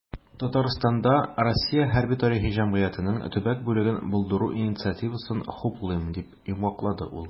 "татарстанда "россия хәрби-тарихи җәмгыяте"нең төбәк бүлеген булдыру инициативасын хуплыйм", - дип йомгаклады ул.